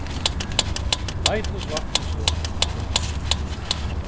leitisvatn er størst